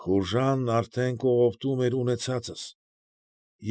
Խուժանն արդեն կողոպտում էր ունեցածս։